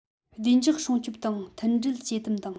བདེ འཇགས སྲུང སྐྱོབ དང མཐུན སྒྲིལ ཇེ དམ དང